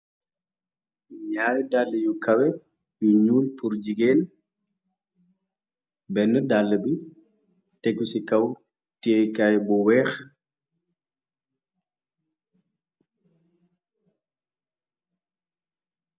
Nyaari dalla yu kawe yu nyuul pur jigéen benne dàlla bi tegu ci kaw téekaay bu weex.